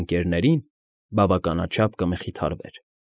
Ընկ., բավականաչափ կմխիթարվեր։